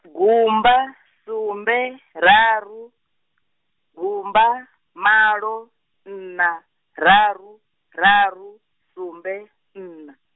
gumba, sumbe, raru, gumba, malo, nṋa, raru, raru, sumbe, nṋa.